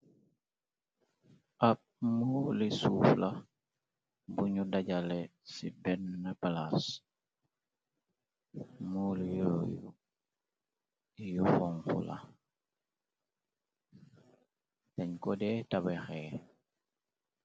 Ab muli suuf la buñu dajale ci benn palas. Muliiyuyu yu xonxu la, teñ kode tabexee.